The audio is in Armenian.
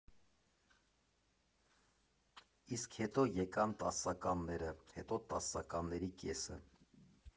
Իսկ հետո եկան տասականները, հետո տասականների կեսը։